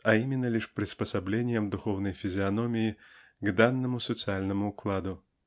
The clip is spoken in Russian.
а именно лишь приспособлением духовной физиономии к данному социальному укладу.